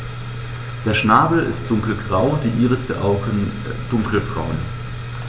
Der Schnabel ist dunkelgrau, die Iris der Augen dunkelbraun.